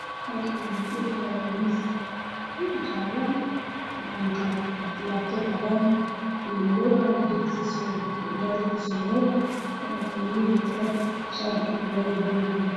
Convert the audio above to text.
Meeshaan waxaa yaalo laa top dab ayuu ku jiraan waxaana hayso gacan gacanta waxey qabtaa shatib luga